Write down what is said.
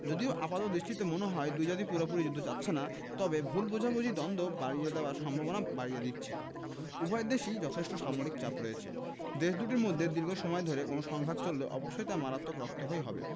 যদিও আপাতদৃষ্টিতে মনে হয় দুই জাতিই পুরোপুরি যুদ্ধ চাচ্ছে না তবে ভুল বোঝাবুঝি দ্বন্দ্ব বাড়িয়ে দেওয়ার সম্ভাবনা বাড়িয়ে দিচ্ছে উভয় দেশেই যথেষ্ট সামরিক চাপ রয়েছে দেশ দুটির মধ্যে দীর্ঘ সময় ধরে কোনো সংঘাত চললে অবশ্যই তা মারাত্মক রক্তক্ষয়ী হবে